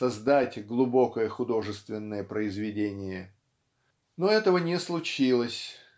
создать глубокое художественное произведение. Но этого не случилось.